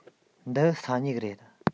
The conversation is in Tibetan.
འདི ས སྨྱུག རེད